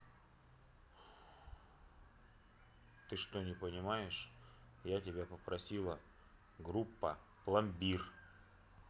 ты что не понимаешь я тебя попросила группа пломбир